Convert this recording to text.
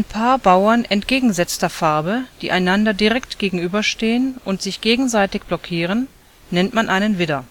Paar Bauern entgegengesetzter Farbe, die einander direkt gegenüberstehen und sich gegenseitig blockieren, nennt man einen Widder